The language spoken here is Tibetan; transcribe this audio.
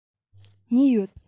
གཉིས ཡོད